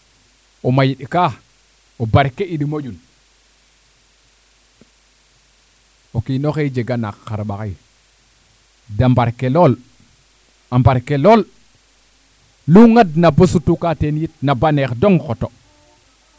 o mayiɗ kaa o barke id moƴun o kiinoxe xay jega naak xaɓaxay de mbarke lool a mbarke lool nu ngand na bo sutuka teen yit na baaneex dong xoto